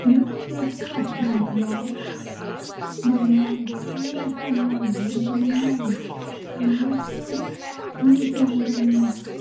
Nid jyst hobi ydi o, mae o'n rhan ohona i 'yn enau i 'yn neges drwy hwn dan ni'n s-